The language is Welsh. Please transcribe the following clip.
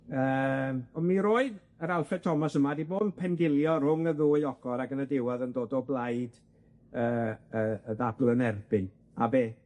Yym on' mi roedd yr Alfred Thomas yma 'di bo' yn pendilio rwng y ddwy ochor ac yn y diwedd yn dod o blaid yy yy y ddadl yn erbyn, a be?